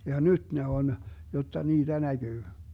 ja nyt ne on jotta niitä näkyy